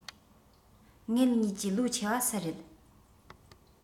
ངེད གཉིས ཀྱི ལོ ཆེ བ སུ རེད